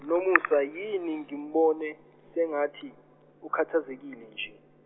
noMusa yini ngimbone, sengathi, ukhathazekile nje?